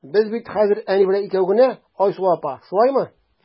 Без бит хәзер әни белән икәү генә, Айсылу апа, шулаймы?